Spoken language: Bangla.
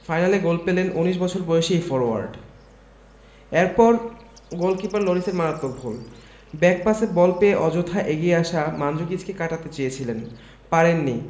ফাইনালে গোল পেলেন ১৯ বছর বয়সী এই ফরোয়ার্ড এরপরই গোলকিপার লরিসের মারাত্মক ভুল ব্যাকপাসে বল পেয়ে অযথা এগিয়ে আসা মানজুকিচকে কাটাতে চেয়েছিলেন পারেননি